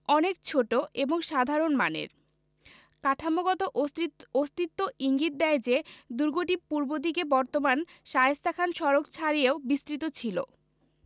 অনেক ছোট এবং সাধারণ মানের কাঠামোগত অস্তি অস্তিত্ব ইঙ্গিত দেয় যে দুর্গটি পূর্ব দিকে বর্তমান শায়েস্তা খান সড়ক ছাড়িয়েও বিস্তৃত ছিল